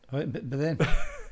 B- b- bydden .